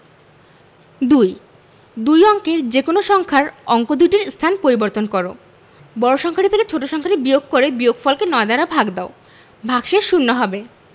২ দুই অঙ্কের যেকোনো সংখ্যার অঙ্ক দুইটির স্থান পরিবর্তন কর বড় সংখ্যাটি থেকে ছোট ছোট সংখ্যাটি বিয়োগ করে বিয়োগফলকে ৯ দ্বারা ভাগ দাও ভাগশেষ শূন্য হবে